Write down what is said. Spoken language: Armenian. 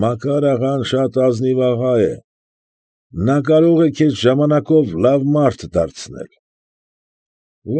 Մակար աղան շատ ազնիվ աղա է, նա կարող է քեզ ժամանակով մարդ դարձնել։